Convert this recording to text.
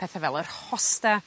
pethe fel yr hosta